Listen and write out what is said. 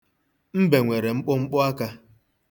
Mbe nwere mkpụmkpụ aka.